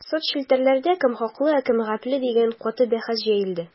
Соцчелтәрләрдә кем хаклы, ә кем гапле дигән каты бәхәс җәелде.